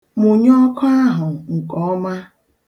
Mụnye ọkụ ahụ nkeọma.